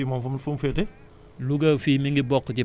léegi Louga fii base bi fii moom fu mu fu mu féete